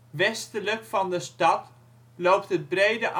Westelijk van de stad loopt het brede Amsterdam-Rijnkanaal